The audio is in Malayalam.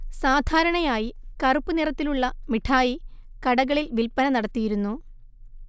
സാധാരണയായി കറുപ്പു നിറത്തിലുള്ള മിഠായി കടകളിൽ വിൽപ്പന നടത്തിയിരുന്നു